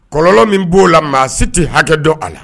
Kɔlɔlɔ min b'o la maa si te hakɛ dɔn a la